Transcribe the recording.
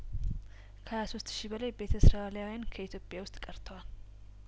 ከሀያ ሶስት ሺህ በላይ ቤተእስራዊላውያን ከኢትዮጵያ ውስጥ ቀርተዋል